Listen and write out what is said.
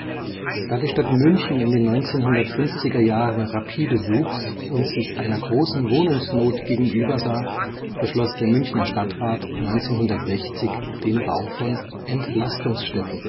Da die Stadt München in den 1950er-Jahren rapide wuchs und sich einer großen Wohnungsnot gegenübersah, beschloss der Münchner Stadtrat 1960 den Bau von „ Entlastungsstädten